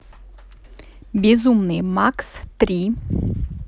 безумный макс три